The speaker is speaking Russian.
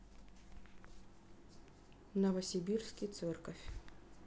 новосибирский церковь